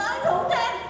thiêm